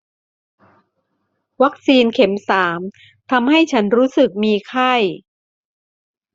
วัคซีนเข็มสามทำให้ฉันรู้สึกมีไข้